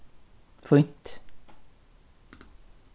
fínt